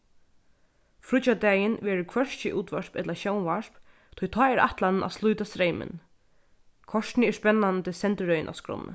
fríggjadagin verður hvørki útvarp ella sjónvarp tí tá er ætlanin at slíta streymin kortini er spennandi sendirøðin á skránni